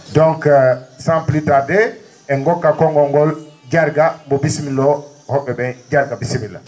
donc sans plus tardé en ngokkat konngol ngol Jarga mbo bisimillo ho??e ?ee Jarga bisimilla